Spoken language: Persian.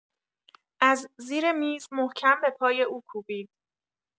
از زیر میز محکم به پای او کوبید.